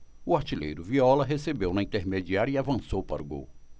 o artilheiro viola recebeu na intermediária e avançou para o gol